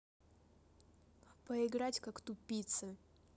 поиграть как тупица